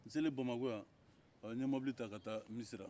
n selen bamako yan n ye mobili ta ka taa misira